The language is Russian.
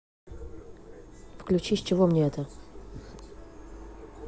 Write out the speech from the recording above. включи с чего мне это